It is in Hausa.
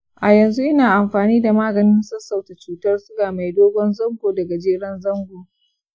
a yanzu ina amfani da maganin sassauta cutar suga mai dogon zango da gajeren zango.